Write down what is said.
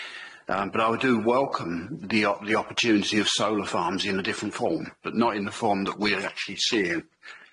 Yym but I would do welcome the o- the opportunity of solar farms in a different form, but not in the form that we're actually seeing.